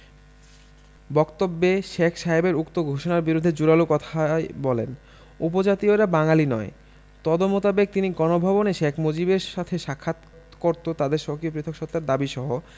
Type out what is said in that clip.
বক্তব্যে শেখ সাহেবের উক্ত ঘোষণার বিরুদ্ধে জোরালো কথায় বলেন উপজাতীয়রা বাঙালি নয় তদমোতাবেক তিনি গণভবনে শেখ মুজিবের সাথে সাক্ষাৎ করত তাদের স্বকীয় পৃথক সত্তার দাবীসহ